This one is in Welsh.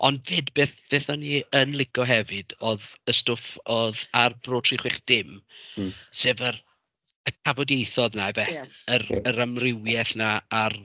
Ond 'fyd beth beth o'n i yn lico hefyd oedd y stwff oedd ar Bro Tri Chwech Dim... m-hm. ...sef yr y tafodieithoedd 'na ife... ia. ...yr yr amrywiaeth 'na a'r...